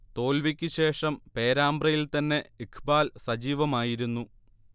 തോൽവിക്ക് ശേഷം പേരാമ്പ്രയിൽ തന്നെ ഇഖ്ബാൽ സജീവമായിരുന്നു